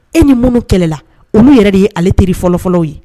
E ni minnu kɛlɛla olu' yɛrɛ de ye ale teri fɔlɔfɔlɔ ye